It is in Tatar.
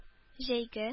Җәйге